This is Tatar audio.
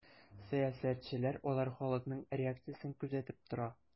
Сәясәтчеләр алар халыкның реакциясен күзәтеп тора.